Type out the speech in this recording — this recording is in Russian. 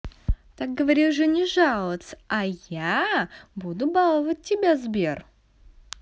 так говорил не жаловаться а я буду баловать тебя сбер